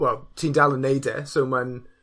Wel, ti'n dal yn neud e, so ma'n,